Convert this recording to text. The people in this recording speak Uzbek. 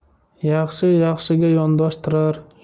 yaxshi yaxshiga yondashtirar